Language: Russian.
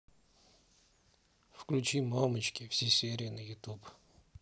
включи мамочки все серии на ютуб